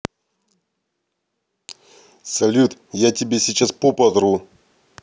салют я тебе сейчас попу оторву